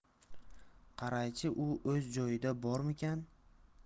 qaraychi u o'z joyida bormikan